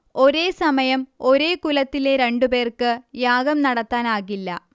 ഒരേ സമയം ഒരേ കുലത്തിലെ രണ്ടുപേർക്ക് യാഗം നടത്താനാകില്ല